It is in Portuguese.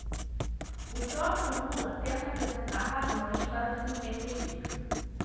o próprio lula tenta apresentar razões para o desempenho medíocre